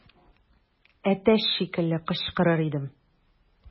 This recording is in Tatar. Әтәч шикелле кычкырыр идем.